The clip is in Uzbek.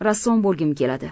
rassom bo'lgim keladi